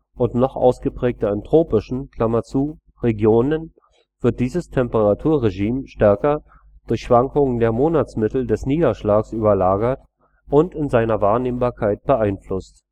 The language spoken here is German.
und noch ausgeprägter in tropischen) Regionen wird dieses Temperaturregime stärker durch Schwankungen der Monatsmittel des Niederschlags überlagert und in seiner Wahrnehmbarkeit beeinflusst